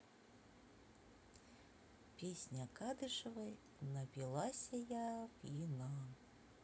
песня кадышевой напилася я пьяна